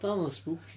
Dal mae'n spooky.